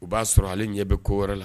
U b'a sɔrɔ ale ɲɛ bɛ ko wɛrɛ la